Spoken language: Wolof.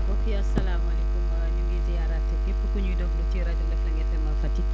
mbokk yi asalaamaaleykum ñu ngi ziaraat képp ku ñuy déglu ci rajo Ndefleng FM Fatick